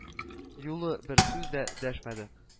Юлы бер сүз дә дәшмәде